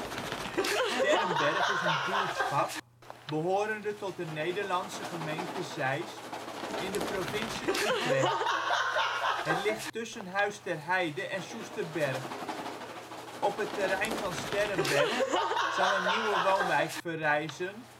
Sterrenberg is een buurtschap behorende tot de Nederlandse gemeente Zeist, in de provincie Utrecht. Het ligt tussen Huis ter Heide en Soesterberg. Op het terrein van Sterrenberg zal een nieuwe woonwijk verrijzen